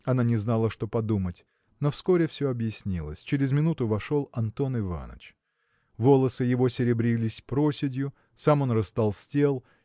Она не знала, что подумать; но вскоре все объяснилось. Через минуту вошел Антон Иваныч. Волосы его серебрились проседью сам он растолстел